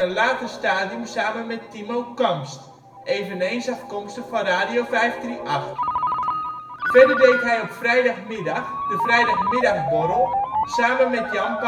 later stadium samen met Timo Kamst, eveneens afkomstig van Radio 538. Verder deed hij op vrijdagmiddag ' De vrijdagmiddagborrel ' samen met Jan